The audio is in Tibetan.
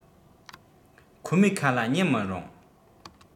ཁོ མོའི ཁ ལ ཉན མི རུང